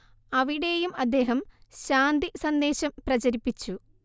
അവിടെയും അദ്ദേഹം ശാന്തി സന്ദേശം പ്രചരിപ്പിച്ചു